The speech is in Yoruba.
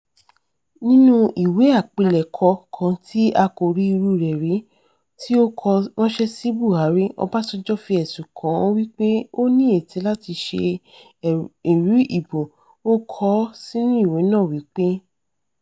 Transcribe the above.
Nínú ìwé àpilẹ̀kọ kan tí a kò rí irúu rẹ̀ rí tí ó kọ ránṣẹ́ sí Buhari, Ọbásanjọ́ fi ẹ̀sùn kàn-án wípé ó ní ètè láti ṣe èrú ìbò. Ó kọ ọ́ sínú ìwé náà wípé: